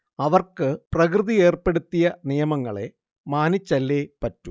അവർക്കു പ്രകൃതി ഏർപ്പെടുത്തിയ നിയമങ്ങളെ മാനിച്ചല്ലേ പറ്റൂ